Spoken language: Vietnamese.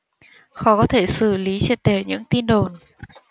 khó có thể xử lý triệt để những tin đồn